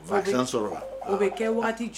Fa sɔrɔ a bɛ kɛ waati cɛ